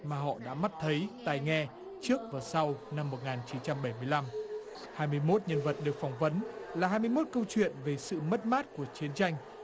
mà họ đã mắt thấy tai nghe trước và sau năm một ngàn chín trăm bảy mươi lăm hai mươi mốt nhân vật được phỏng vấn là hai mươi mốt câu chuyện về sự mất mát của chiến tranh